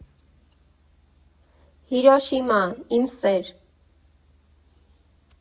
Հիրոշիմա, իմ սեր։